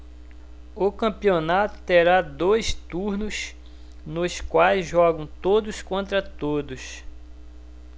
o campeonato terá dois turnos nos quais jogam todos contra todos